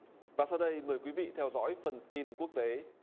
và sau đây mời quý vị theo dõi phần tin quốc tế